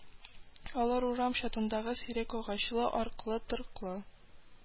Алар урам чатындагы сирәк агачлы, аркылы-торкылы